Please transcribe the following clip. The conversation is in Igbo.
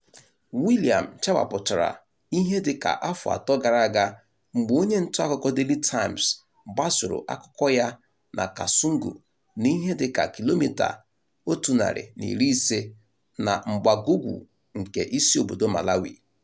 William chawapụtara ihe dịka afọ atọ gara aga mgbe onye ntaakụkọ Daily Times gbasoro akụkọ ya na Kasungu n'ihe dịka kilomita 150 na mgbagougwu nke isi obodo Malawi.